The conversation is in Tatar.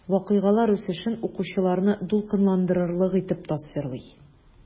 Вакыйгалар үсешен укучыларны дулкынландырырлык итеп тасвирлый.